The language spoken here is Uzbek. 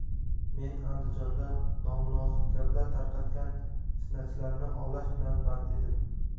men andijonda nomunosib gaplar tarqatgan fitnachilarni ovlash bilan band edim